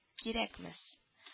Кирәкмәс